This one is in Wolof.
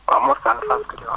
waaw Mor Sall Fass *